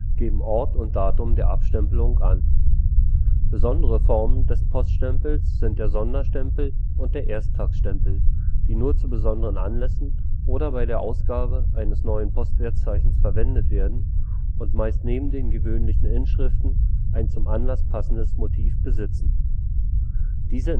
geben Ort und Datum der Abstempelung an. Besondere Formen des Poststempels sind der Sonderstempel und der Ersttagsstempel, die nur zu besonderen Anlässen oder bei der Ausgabe eines neuen Postwertzeichens verwendet werden und meist neben den gewöhnlichen Inschriften ein zum Anlass passendes Motiv besitzen. Diese